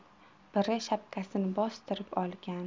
biri shapkasini bostirib olgan